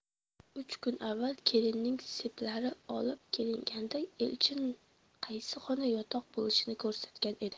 uch kun avval kelinning seplari olib kelinganda elchin qaysi xona yotoq bo'lishini ko'rsatgan edi